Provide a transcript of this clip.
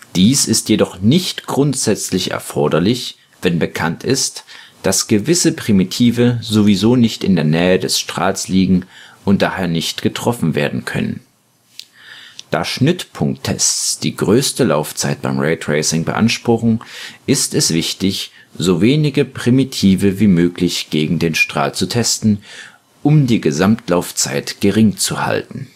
Dies ist jedoch nicht grundsätzlich erforderlich, wenn bekannt ist, dass gewisse Primitive sowieso nicht in der Nähe des Strahls liegen und daher nicht getroffen werden können. Da Schnittpunkttests die größte Laufzeit beim Raytracing beanspruchen, ist es wichtig, so wenig Primitive wie möglich gegen den Strahl zu testen, um die Gesamtlaufzeit gering zu halten